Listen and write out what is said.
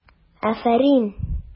Афәрин!